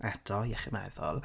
eto iechyd meddwl.